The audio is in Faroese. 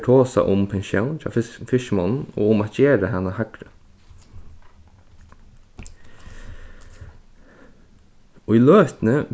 tosað um pensjón hjá fiskimonnum og um at gera hana hægri í løtuni